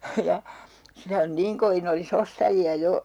ja sitä on niin kovin olisi ostajia jo